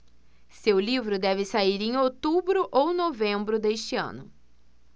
seu livro deve sair em outubro ou novembro deste ano